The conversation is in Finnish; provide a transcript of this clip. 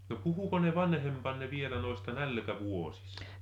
no puhuiko ne vanhempanne vielä noista nälkävuosista